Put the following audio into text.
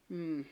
mm